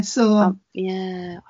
Ie so. Ie.